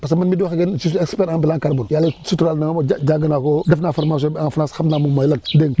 parce que man mii di wax ak yéen je suis expert en bilan carbone yàlla suturaal na ma ba jàng naa ko def naa formation bi en France xam naa moom mooy lan dégg nga